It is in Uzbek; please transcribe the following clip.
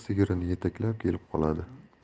sigirini yetaklab kelib qoladi